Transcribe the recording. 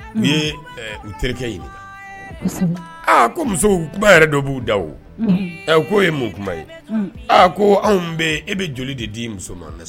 N ye u terikɛ ɲini aa ko musowba yɛrɛ dɔ b'u da o'o ye mun kuma ye aa ko anw e bɛ joli de di muso